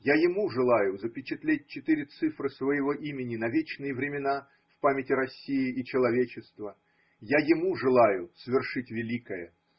Я ему желаю запечатлеть четыре цифры своего имени на вечные времена в памяти России и человечества: я ему желаю свершить великое.